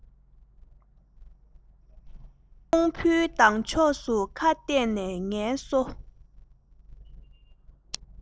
ཞོགས པའི ཉི འོད ས ལ ཟུག པ